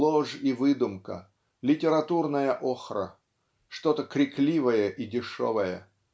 ложь и выдумка, литературная охра, что-то крикливое и дешевое.